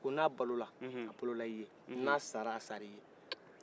ko na balola a balol'iye ne sara a sara a sara i ye